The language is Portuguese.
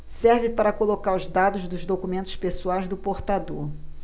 serve para colocar os dados dos documentos pessoais do portador